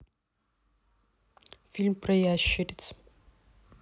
фильм про ящериц